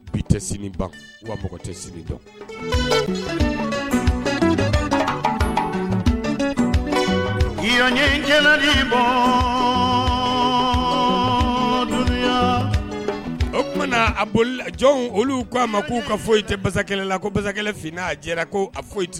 Bi tɛ tɛ dɔn maya o tumaumana a boli jɔn olu ko' a ma k'u ka foyi tɛ ba la ko ba kelen f a jɛra ko a foyi tɛ